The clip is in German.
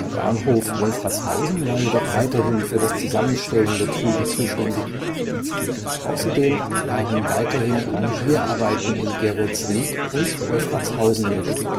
Bahnhof Wolfratshausen war jedoch weiterhin für das Zusammenstellen der Züge zuständig. Außerdem waren weiterhin Rangierarbeiten in Geretsried und Wolfratshausen nötig